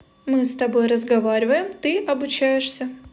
мы с тобой разговариваем ты обучаешься